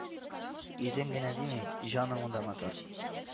– йөзең генә димим, җануң да матур